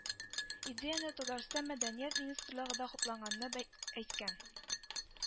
Идеяне Татарстан мәдәният министрлыгы да хуплаганны бәй әйткән